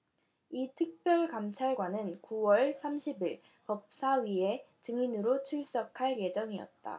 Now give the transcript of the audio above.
이 특별감찰관은 구 월 삼십 일 법사위에 증인으로 출석할 예정이었다